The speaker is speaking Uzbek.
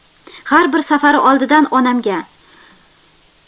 har bir safari oldidan onamga